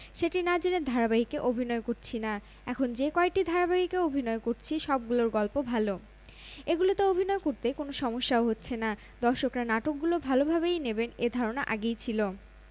রবিবার সন্ধ্যায় শাড়িটি প্রদর্শন করা হয় প্রেমস কালেকশনের এ আয়োজন উদ্বোধন করেন বাংলাদেশে নিযুক্ত ভারতের হাইকমিশনার হর্ষ বর্ধন শ্রিংলা জয়া অভিনীত বেশ কয়েকটি ছবি মুক্তির অপেক্ষায় এর মধ্যে আছে